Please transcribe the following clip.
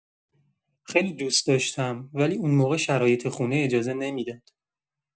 خیلی دوست داشتم، ولی اون موقع شرایط خونه اجازه نمی‌داد.